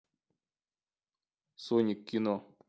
соник кино